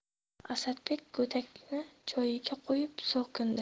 asadbek go'shakni joyiga qo'yib so'kindi